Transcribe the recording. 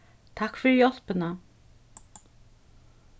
takk fyri hjálpina